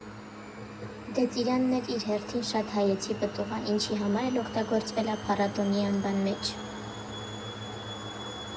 Դե, ծիրանն էլ իր հերթին շատ հայեցի պտուղ ա, ինչի համար էլ օգտագործվել ա փառատոնի անվան մեջ։